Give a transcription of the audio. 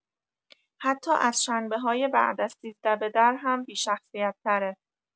حتی از شنبه‌های بعد از سیزده‌بدر هم بی‌شخصیت تره